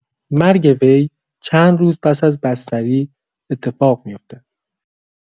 مرگ وی چند روز پس‌از بستری اتفاق می‌افتد.